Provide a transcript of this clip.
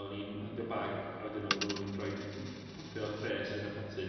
O'n i'n handio bag a wedyn oedden nhw'n rhoi popio pres yn y potyn.